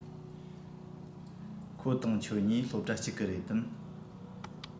ཁོ དང ཁྱོད གཉིས སློབ གྲྭ གཅིག གི རེད དམ